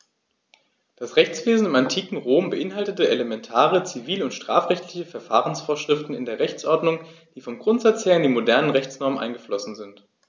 Das Rechtswesen im antiken Rom beinhaltete elementare zivil- und strafrechtliche Verfahrensvorschriften in der Rechtsordnung, die vom Grundsatz her in die modernen Rechtsnormen eingeflossen sind.